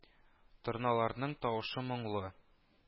Торналарның тавышы моңлы